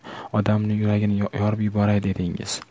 odamning yuragini yorib yuboray dedingiz